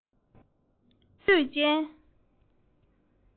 ལྐུགས པ སྨྲ འདོད ཅན